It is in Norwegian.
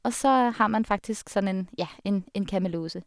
Og så har man faktisk sånn en, ja, en en Kamelose.